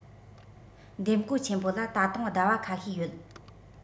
འདེམས བསྐོ ཆེན པོ ལ ད དུང ཟླ བ ཁ ཤས ཡོད